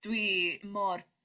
dwi mor